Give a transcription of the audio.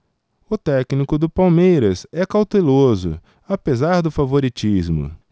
o técnico do palmeiras é cauteloso apesar do favoritismo